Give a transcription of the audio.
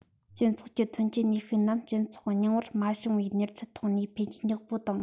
སྤྱི ཚོགས ཀྱི ཐོན སྐྱེད ནུས ཤུགས རྣམས སྤྱི ཚོགས རྙིང པར བྱུང མ མྱོང བའི མྱུར ཚད ཐོག ནས འཕེལ རྒྱས མགྱོགས པོ བཏང